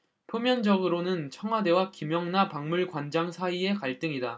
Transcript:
표면적으로는 청와대와 김영나 박물관장 사이의 갈등이다